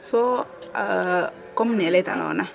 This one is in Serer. so comme ne laytanoona